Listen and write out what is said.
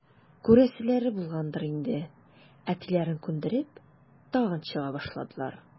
Күрәселәре булгандыр инде, әтиләрен күндереп, тагын чыга башладылар.